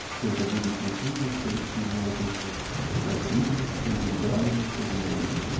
что это будет не кризис коллективного духа а кризис индивидуального сознания